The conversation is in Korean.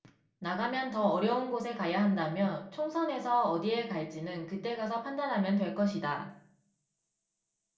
나가면 더 어려운 곳에 가야 한다며 총선에서 어디에 갈지는 그 때 가서 판단하면 될 것이다